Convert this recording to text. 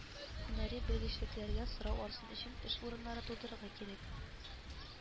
Һөнәри белгечлекләргә сорау артсын өчен, эш урыннары тудырырга кирәк